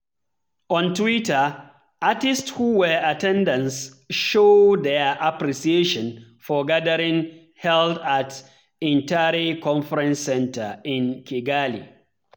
On Twitter, artists who were attendance showed their appreciation for the gathering held at Intare conference center in Kigali: